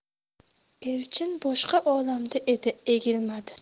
elchin boshqa olamda edi egilmadi